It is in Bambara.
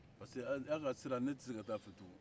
parce que a ka sira ne tɛ se ka taa fɛ tun